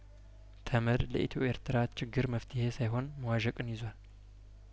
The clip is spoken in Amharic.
ተመድ ለኢትዮ ኤርትራ ችግር መፍትሄ ሳይሆን መዋዠቅን ይዟል